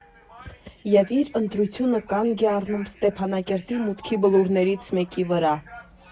Եվ իր ընտրությունը կանգ է առնում Ստեփանակերտի մուտքի բլուրներից մեկի վրա։